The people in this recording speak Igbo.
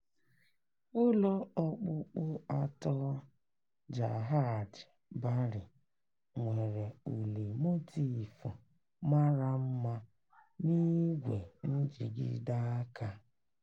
Ụlọ okpukpu atọ "Jahaj Bari" nwere uli motiifu mara mma n'ígwè njigide aka.